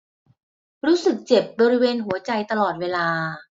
รู้สึกเจ็บบริเวณหัวใจตลอดเวลา